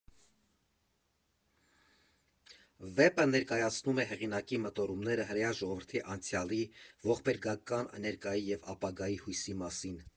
Վեպը ներկայացնում է հեղինակի մտորումները հրեա ժողովրդի անցյալի, ողբերգական ներկայի և ապագայի հույսի մասին։